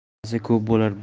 bolasi ko'p bo'lar boy